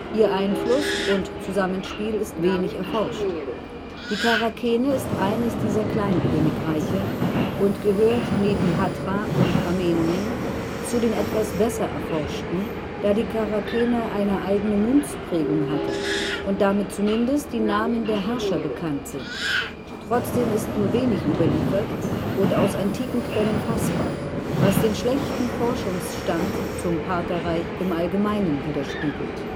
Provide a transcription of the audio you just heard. Ihr Einfluss und Zusammenspiel ist wenig erforscht. Die Charakene ist eines dieser Kleinkönigreiche und gehört neben Hatra und Armenien zu den etwas besser erforschten, da die Charakene eine eigene Münzprägung hatte und damit zumindest die Namen der Herrscher bekannt sind. Trotzdem ist nur wenig überliefert und aus antiken Quellen fassbar, was den schlechten Forschungsstand zum Partherreich im Allgemeinen widerspiegelt